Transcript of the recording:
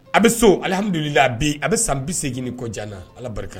A bɛ so alihamdulila a bi a bɛ san bi segingin ni kɔdana ala barika